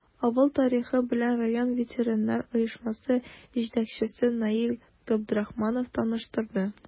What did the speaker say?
Авыл тарихы белән район ветераннар оешмасы җитәкчесе Наил Габдрахманов таныштырды.